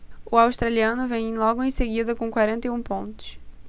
o australiano vem logo em seguida com quarenta e um pontos